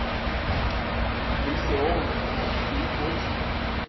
дрессированные морские котики